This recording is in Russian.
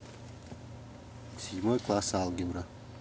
седьмой класс алгебра